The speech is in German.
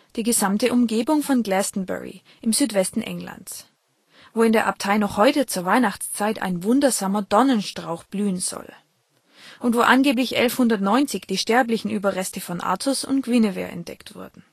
Die gesamte Umgebung von Glastonbury im Südwesten Englands, wo in der Abtei noch heute zur Weihnachtszeit ein wundersamer Dornenstrauch blühen soll, und wo angeblich 1190 die sterblichen Überreste von Artus und Guinevere entdeckt wurden